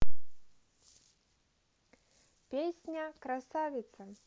песня красавица